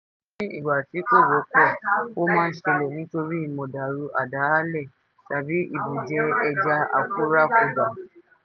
Ní ìgbà tí kò wọ́pọ̀, ó máa ń ṣẹlẹ̀ nítorí mọ̀dàrú àdádáálẹ̀ tàbí ìbùjẹ ẹja àkúrákudà.